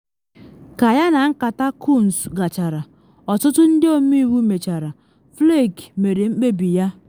Ka yana nkata Coons gachara, ọtụtụ ndị ọmeiwu mechara, Flake mere mkpebi ya.